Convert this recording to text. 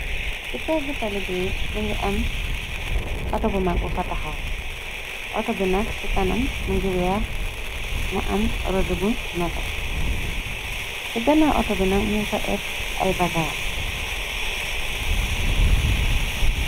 Ci pegg talibi mëngi am auto bu mag bu fa taxam auto bi nag ci kanam mëngi weer mu am rod bu mete ci ganna auto bi nag mun fa ër ay vagaas.